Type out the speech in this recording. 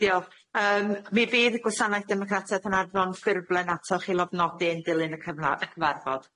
Ie diolch yym mi fydd gwasanaeth Ddemocrataeth yn anfon ffurflen atoch i lofnodi yn dilyn y cyfa- y cyfarfod.